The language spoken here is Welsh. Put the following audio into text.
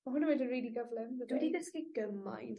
Ma' hwn yn mynd yn rili gyflym . Dwi 'di dysgu gymaint...